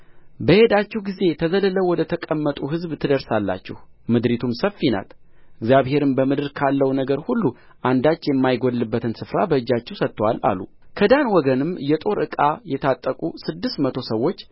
በሄዳችሁ ጊዜ ተዘልለው ወደ ተቀመጡ ሕዝብ ትደርሳላችሁ ምድሪቱም ሰፊ ናት እግዚአብሔርም በምድር ካለው ነገር ሁሉ አንዳች የማይጎድልበትን ስፍራ በእጃችሁ ሰጥቶአል አሉ ከዳን ወገንም የጦር ዕቃ የታጠቁ ስድስት መቶ ሰዎች